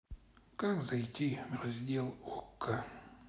как зайти в раздел окко